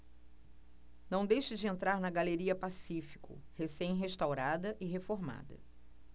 não deixe de entrar na galeria pacífico recém restaurada e reformada